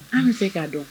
An bɛ se ka dɔn